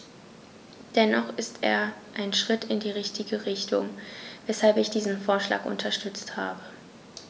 Dennoch ist er ein Schritt in die richtige Richtung, weshalb ich diesen Vorschlag unterstützt habe.